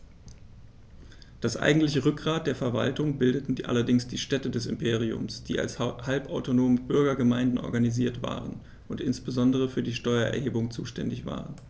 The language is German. Das eigentliche Rückgrat der Verwaltung bildeten allerdings die Städte des Imperiums, die als halbautonome Bürgergemeinden organisiert waren und insbesondere für die Steuererhebung zuständig waren.